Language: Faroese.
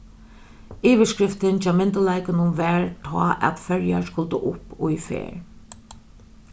yvirskriftin hjá myndugleikunum var tá at føroyar skuldu upp í ferð